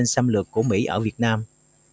xâm lược của mỹ ở việt nam